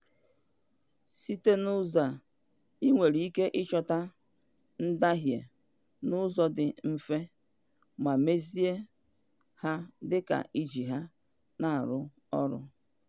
Site n'ụzọ a, ị nwere ịke ịchọpụta ndahie n'ụzọ dị mfe ma mezie ha dịka ị ji ya na-arụ ọrụ.